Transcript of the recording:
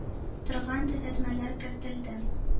Торган төзәтмәләр кертелде.